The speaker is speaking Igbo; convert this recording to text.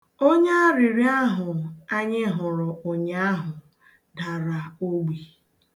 Onye arịrịọ ahụ anyị hụrụ ụnyaahụ dara ogbi.